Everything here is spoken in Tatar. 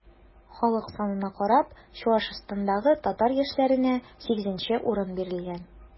Халык санына карап, Чуашстандагы татар яшьләренә 8 урын бирелгән.